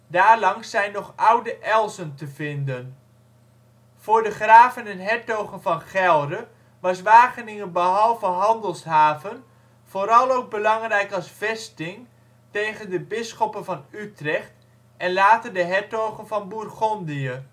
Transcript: Daarlangs zijn nog oude elzen te vinden. Voor de graven en hertogen van Gelre was Wageningen behalve handelshaven vooral ook belangrijk als vesting tegen de bisschoppen van Utrecht en later de hertogen van Bourgondië